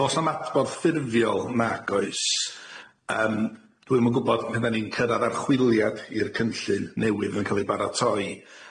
Do's na'm adborth ffurfiol nag oes yym dwi'm yn gwbod pan 'dan ni'n cyrradd archwiliad i'r cynllun newydd yn ca'l ei baratoi